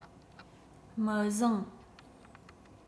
མི བཟང